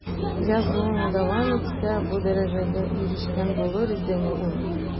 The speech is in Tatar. Язуын дәвам итсә, бу дәрәҗәгә ирешкән булыр идеме ул?